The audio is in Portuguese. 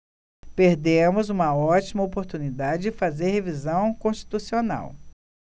perdemos uma ótima oportunidade de fazer a revisão constitucional